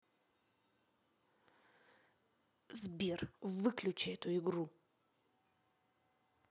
сбер выключи эту игру